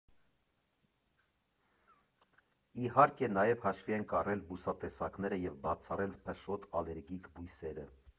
Իհարկե, նաև հաշվի ենք առել բուսատեսակները և բացառել փշոտ, ալերգիկ բույսերը։